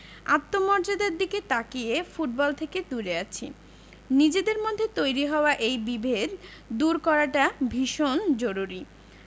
আত্মমর্যাদার দিকে তাকিয়ে ফুটবল থেকে দূরে আছি নিজেদের মধ্যে তৈরি হওয়া এই বিভেদ দূর করাটা ভীষণ জরুরি